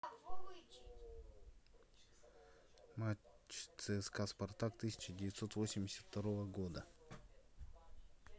матч цска спартак тысяча девятьсот восемьдесят второго года